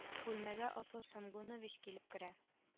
Бүлмәгә асыл шәмгунович килеп керә